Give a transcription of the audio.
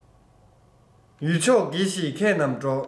ཡུལ ཕྱོགས དགེ ཞེས མཁས རྣམས སྒྲོགས